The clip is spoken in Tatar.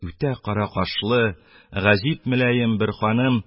Үтә кара кашлы, гаҗәп мөлаем бер ханым